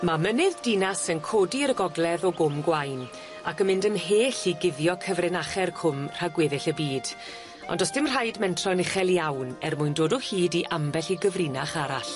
Ma' mynydd Dinas yn codi i'r gogledd o Gwm Gwaun ac yn mynd ymhell i guddio cyfrinache'r cwm rhag gweddill y byd ond do's dim rhaid mentro'n uchel iawn er mwyn dod o hyd i ambell i gyfrinach arall.